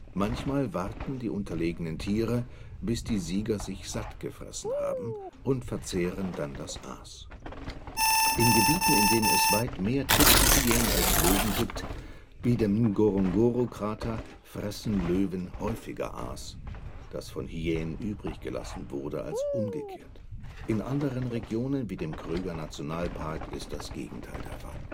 Manchmal warten die unterlegenen Tiere, bis die Sieger sich sattgefressen haben, und verzehren dann das Aas. In Gebieten, in denen es weit mehr Tüpfelhyänen als Löwen gibt, wie dem Ngorongoro-Krater, fressen Löwen häufiger Aas, das von Hyänen übriggelassen wurde, als umgekehrt. In anderen Regionen, wie dem Kruger-Nationalpark, ist das Gegenteil der Fall